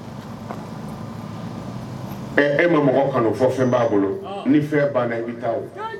Ɛɛ, e ma mɔgɔ kanu fɔ fɛn b'a bolo ni fɛn banna i bɛ taa wo